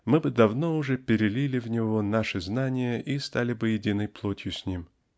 мы бы давно уже перелили в него наше знание и стали бы единой плотью с ним.